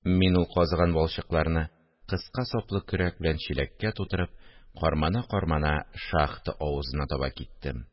Мин, ул казыган балчыкларны кыска саплы көрәк белән чиләккә тутырып, кармана-кармана шахта авызына таба киттем